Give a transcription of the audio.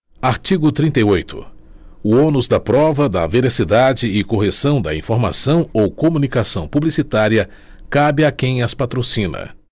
artigo trinta e oito o ônus da prova da veracidade e correção da informação ou comunicação publicitária cabe a quem as patrocina